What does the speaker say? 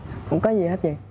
cũng có gì hết chị